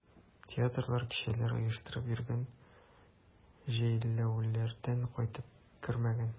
Театрлар, кичәләр оештырып йөргән, җәйләүләрдән кайтып кермәгән.